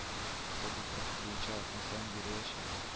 Автобус график буенча атна саен йөриячәк